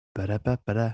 By-ry by by-ry.